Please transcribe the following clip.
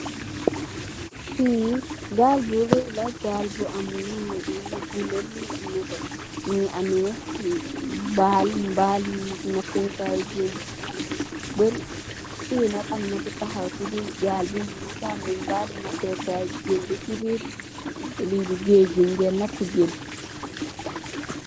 Fii gaal bu rew la, gaal bu am lu bulo, lu nette mingi ame mbali nape kay jen yu bari. Fii nak am na ku taxaw ci biir galbi, mingi sani mbali nape kay jen bi ci biir li bi, gej bi mungé napu jen.